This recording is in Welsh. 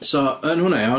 So, yn hwnna iawn...